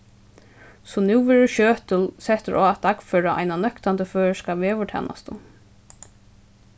so nú verður sjøtul settur á at dagføra eina nøktandi føroyska veðurtænastu